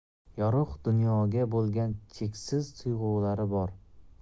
yorug' dunyoga bo'lgan cheksiz tuyg'ulari bor